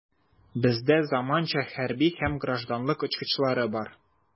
Бездә заманча хәрби һәм гражданлык очкычлары бар.